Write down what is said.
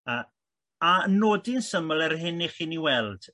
yy a nodi'n syml er hyn i chi'ni weld